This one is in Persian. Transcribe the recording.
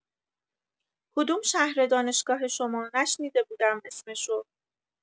کدوم شهره دانشگاه شما نشنیده بودم اسمشو